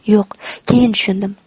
yo'q keyin tushundim